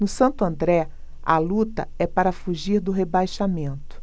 no santo andré a luta é para fugir do rebaixamento